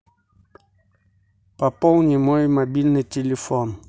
пополни мой мобильный телефон